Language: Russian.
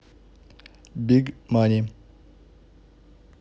биг мани